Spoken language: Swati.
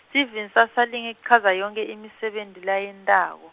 Stevens asalinge kuchaza yonkhe imisebenti layentako.